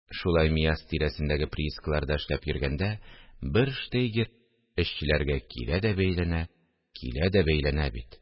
– шулай. мияс тирәсендәге приискаларда эшләп йөргәндә, бер штейгер эшчеләргә килә дә бәйләнә, килә дә бәйләнә бит